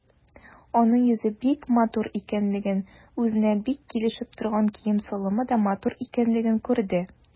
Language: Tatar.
Аның йөзе бик матур икәнлеген, үзенә бик килешеп торган кием-салымы да матур икәнлеген күрде.